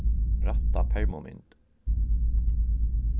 rætta permumynd